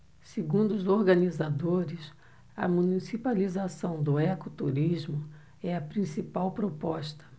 segundo os organizadores a municipalização do ecoturismo é a principal proposta